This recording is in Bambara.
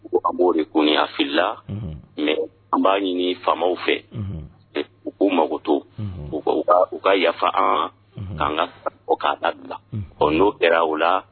U ka b'o de kun filila mɛ an b'a ɲini faamaw fɛ u kou magogoto u u ka yafa an ka o k' dabila ɔ n'o kɛra u la